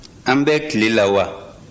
an bɛ tile la wa